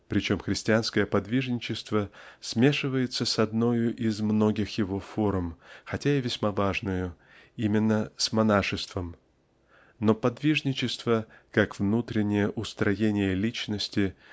причем христианское подвижничество смешивается с одною из многих его форм хотя и весьма важною именно -- с монашеством. Но подвижничество как внутреннее устроение личности